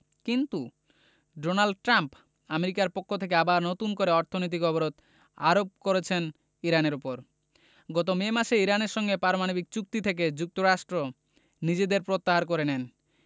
কিন্তু Donald Trump আমেরিকার পক্ষ থেকে আবার নতুন করে অর্থনৈতিক অবরোধ আরোপ করেছেন ইরানের ওপর গত মে মাসে ইরানের সঙ্গে পারমাণবিক চুক্তি থেকে যুক্তরাষ্ট্র নিজেদের প্রত্যাহার করে নেন